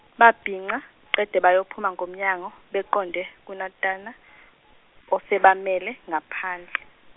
babhinca qede bayophuma ngomnyango beqonde kuNatana, osebamele ngaphandle.